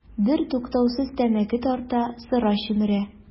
Бертуктаусыз тәмәке тарта, сыра чөмерә.